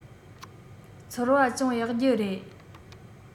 ཚོར བ ཅུང ཡག རྒྱུ རེད